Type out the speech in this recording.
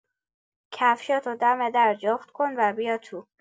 کفشاتو دم در جفت کن و بیا تو